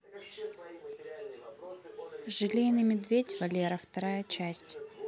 желейный медведь валера вторая часть